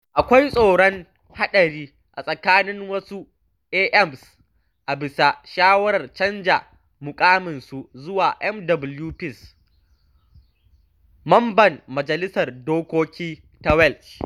Akwai tsoron haɗari a tsakanin wasu AMs a bisa shawarar canza muƙaminsu zuwa MWPs (Mamban Majalisar Dokoki ta Welsh).